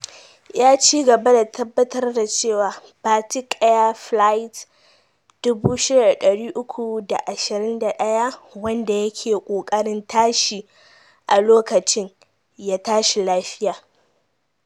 Ya ci gaba da tabbatar da cewa Batik Air Flight 6321, wanda yake kokarin tashi a lokacin, ya tashi lafiya.